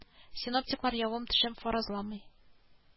— ярый, буласы булган.